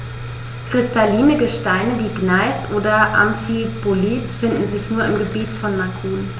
Kristalline Gesteine wie Gneis oder Amphibolit finden sich nur im Gebiet von Macun.